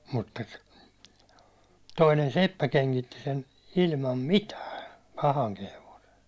mutta toinen seppä kengitti sen ilman mitään pahankin hevosen